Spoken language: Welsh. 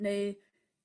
neu